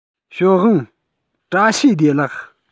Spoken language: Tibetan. ཞའོ ཝང བཀྲ ཤིས བདེ ལེགས